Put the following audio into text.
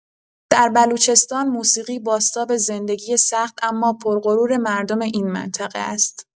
در بلوچستان موسیقی بازتاب زندگی سخت اما پرغرور مردم این منطقه است.